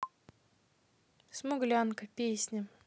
смуглянка песня